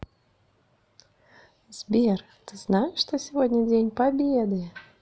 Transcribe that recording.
сбер ты знаешь что сегодня день победы